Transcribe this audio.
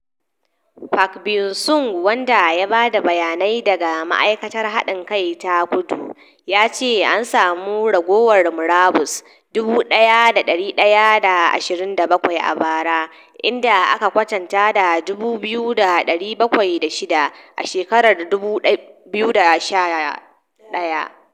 Park Byeong-seug, wanda ya bada bayanai daga ma'aikatar hadin kai ta Kudu, ya ce an samu raguwar murabus 1,127 a bara - idan aka kwatanta da 2,706 a shekarar 2011.